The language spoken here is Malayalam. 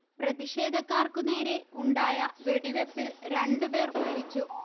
പ്രതിഷേധക്കാർക്കു നേരെ ഉണ്ടായ വെടിവയ്പ്പിൽ രണ്ടുപേർ മരിച്ചു